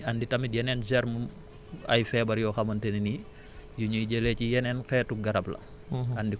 dañuy andi tamit yeneen germes ay feebar yoo xamante ne ni yu ñuy jëlee ci yeneen xeetu garab la